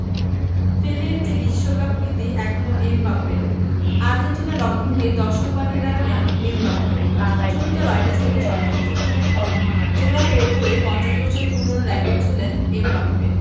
পেলের যে বিশ্বকাপ কীর্তি এখন এমবাপ্পেরও আর্জেন্টিনার রক্ষণকে দর্শক বানিয়ে রাখলেন এমবাপ্পে ছবিটি রয়টার্স থেকে সংগৃহীত জোড়া গোল করে ৫০ বছর পুরোনো রেকর্ড ছুঁলেন এমবাপ্পে